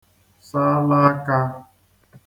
salakā